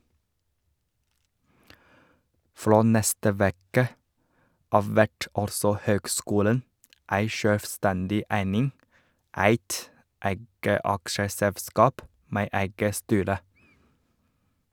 Frå neste veke av vert altså høgskulen ei sjølvstendig eining, eit eige aksjeselskap med eige styre.